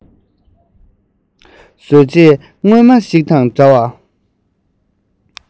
བཟོས རྗེས རྔོན པ ཞིག དང འདྲ བར